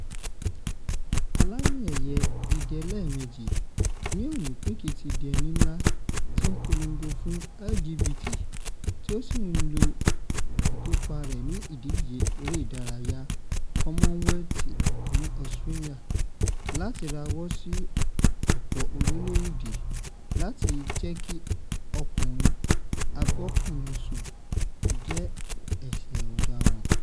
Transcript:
Alámì ẹ̀yẹ idẹ lẹ́ẹ̀mejì ní Òlìńpìkì ti dí ẹní ńlá tí ó ń polongo fún LGBT tí ó sì ń lò ìkópa rẹ̀ ní ìdíje eré ìdárayá Commonwealth ní Australia láti ráwọ́sí ọ̀pọ̀ orílẹ̀ èdè láti má jẹ́ kí ọ̀kunrin abọ́kùnrínsùn jẹ́ ẹ̀ṣẹ̀ ọ̀dáran.